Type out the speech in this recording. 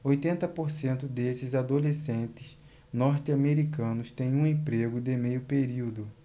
oitenta por cento desses adolescentes norte-americanos têm um emprego de meio período